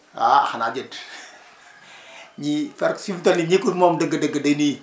ah xanaa jënd ñii pàar suuf tamit ñi ko moom dëgg-dëgg dañuy